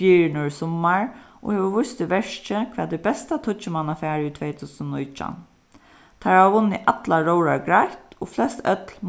í summar og hevur víst í verki hvat er besta tíggjumannafarið í tvey túsund og nítjan teir hava vunnið allar róðrar greitt og flest øll